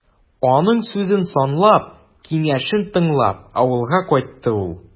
Аның сүзен санлап, киңәшен тыңлап, авылга кайтты ул.